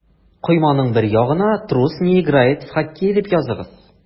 Койманың бер ягына «Трус не играет в хоккей» дип языгыз.